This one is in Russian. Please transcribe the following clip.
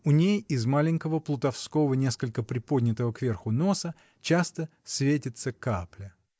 У ней из маленького, плутовского, несколько приподнятого кверху носа часто светится капля.